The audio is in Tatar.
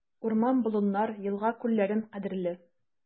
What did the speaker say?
Урман-болыннар, елга-күлләрем кадерле.